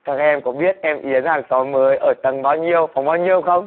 các em có biết em yến hàng xóm mới ở tầng bao nhiêu phòng bao nhiêu không